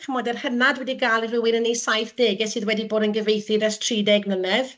Chimod yr hyna dwi 'di gael yw rywun yn ei saithdegau sydd wedi bod yn gyfieithydd ers trideg mlynedd.